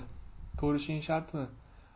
ko'rishing shartmi